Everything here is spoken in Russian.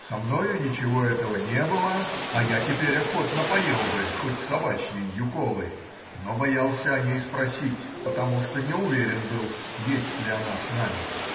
Со мною ничего этого не было, а я теперь охотно поел бы хоть собачьей юколы, но боялся о ней спросить, потому что не уверен был, есть ли она с нами.